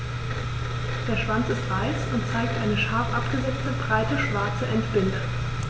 Der Schwanz ist weiß und zeigt eine scharf abgesetzte, breite schwarze Endbinde.